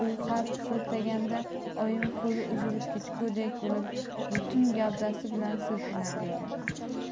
u har siltaganda oyim qo'li uzilib ketgudek bo'lib butun gavdasi bilan silkinar edi